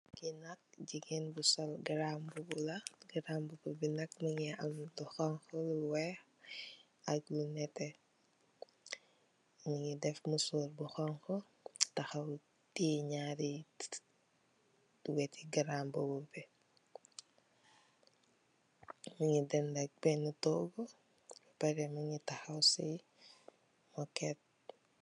Kenat jigeen bu sol gran bubu la. Granbububi mu nge ameh honha lu wey aklunette, mu nge def musor bu honha tahaw tai nyri weti granbubu bi.mu nge denda kogu bepare mu nge def moket.